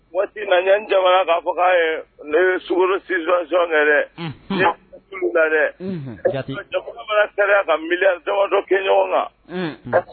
Waati jamana ka bagan ye ne ye srosison dɛ dɛ ka ja ka miyan damadɔ kɛ ɲɔgɔn na